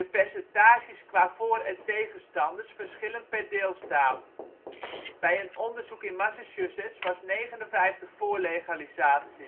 percentages qua voor - en tegenstanders verschillen per deelstaat: bij een onderzoek in Massachusetts was 59 % voor legalisatie